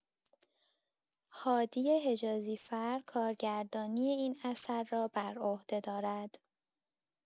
هادی حجازی‌فر کارگردانی این اثر را بر عهده دارد.